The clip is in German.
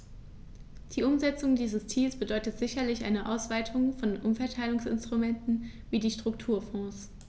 Die Umsetzung dieses Ziels bedeutet sicherlich eine Ausweitung von Umverteilungsinstrumenten wie die Strukturfonds.